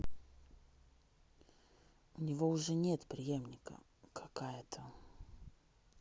у него уже нет приемника какая то